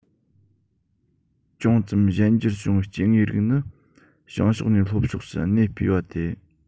ཅུང ཙམ གཞན འགྱུར བྱུང བའི སྐྱེ དངོས རིགས ནི བྱང ཕྱོགས ནས ལྷོ ཕྱོགས སུ གནས སྤོས པ དེ